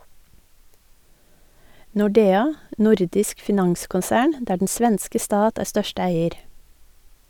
Nordea, nordisk finanskonsern, der den svenske stat er største eier.